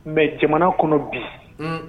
Mɛ jamana kɔnɔ bi